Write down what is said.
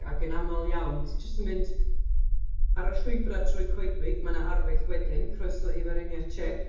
Ac yn aml iawn, ti jyst yn mynd ar y llwybrau drwy coedwig, mae 'na arwydd wedyn, "croeso i Weriniaeth Tsiec".